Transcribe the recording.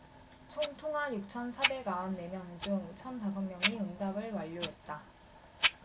총 통화 육천 사백 아흔 네 명 중 천 다섯 명이 응답을 완료했다